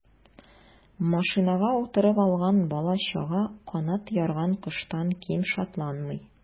Машинага утырып алган бала-чага канат ярган коштан ким шатланмый.